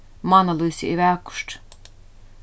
mánalýsi er vakurt